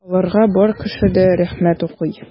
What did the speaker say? Аларга бар кеше дә рәхмәт укый.